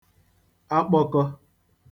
akpọ̄kọ̄